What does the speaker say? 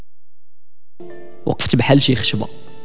اكتب حل شيخ شباب